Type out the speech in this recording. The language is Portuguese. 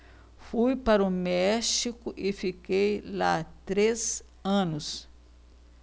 fui para o méxico e fiquei lá três anos